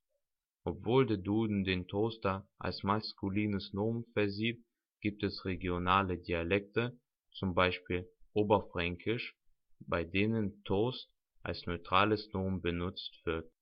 Obwohl der Duden den Toast als maskulines Nomen vorsieht, gibt es regionale Dialekte (z. B. Oberfränkisch), bei denen Toast als neutrales Nomen benutzt wird